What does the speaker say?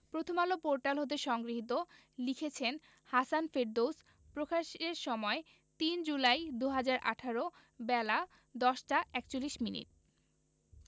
Prothom Alo portal হতে সংগৃহীত লিখেছেন হাসান ফেরদৌস প্রকাশের সময় ৩ জুলাই ২০১৮ বেলা ১০টা ৪১মিনিট